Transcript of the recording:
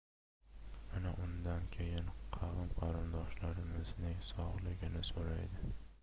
ana undan keyin qavm qarindoshlarimizning sog'lig'ini so'raydi